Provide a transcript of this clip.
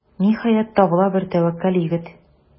Ниһаять, табыла бер тәвәккәл егет.